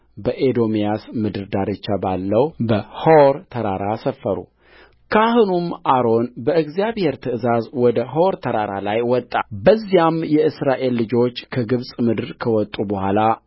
በኤዶምያስ ምድር ዳርቻ ባለው በሖር ተራራ ሰፈሩካህኑም አሮን በእግዚአብሔር ትእዛዝ ወደ ሖር ተራራ ላይ ወጣ በዚያም የእስራኤል ልጆች ከግብፅ ምድር ከወጡ በኋላ